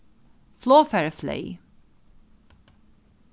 flogfarið fleyg